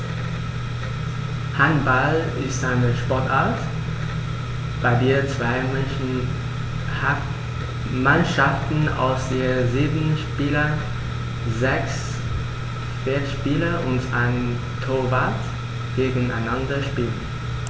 Handball ist eine Sportart, bei der zwei Mannschaften aus je sieben Spielern (sechs Feldspieler und ein Torwart) gegeneinander spielen.